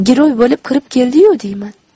giroy bo'lib kirib keldiyu diyman